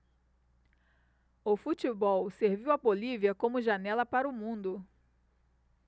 o futebol serviu à bolívia como janela para o mundo